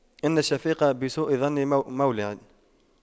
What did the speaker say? إن الشفيق بسوء ظن مولع